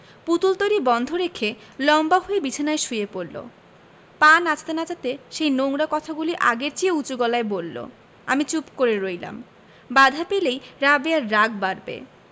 পুতুল তৈরী বন্ধ রেখে লম্বা হয়ে বিছানায় শুয়ে পড়লো পা নাচাতে নাচাতে সেই নোংরা কথাগুলি আগের চেয়েও উচু গলায় বললো আমি চুপ করে রইলাম বাধা পেলেই রাবেয়ার রাগ বাড়বে